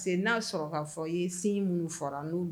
N'a sɔrɔ k'a fɔ sin minnu fɔra